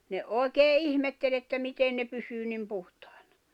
ne oikein ihmetteli että miten ne pysyy niin puhtaina